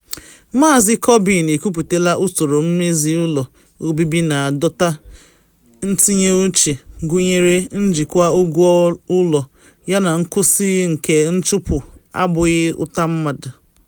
Maazị Corbyn ekwuputela usoro mmezi ụlọ obibi na adọta ntinye uche, gụnyere njikwa ụgwọ ụlọ yana nkwụsị nke nchụpụ “abụghị ụta mmadụ”.